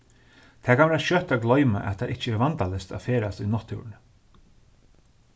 tað kann vera skjótt at gloyma at tað ikki er vandaleyst at ferðast í náttúruni